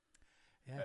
Ie.